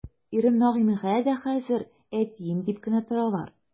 Ирем Нәгыймгә дә хәзер әтием дип кенә торалар.